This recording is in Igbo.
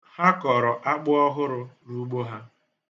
Ha kọrọ akpụ ọhụrụ n'ugbo ha.